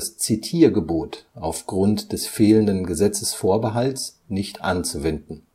Zitiergebot aufgrund des fehlenden Gesetzesvorbehalts nicht anzuwenden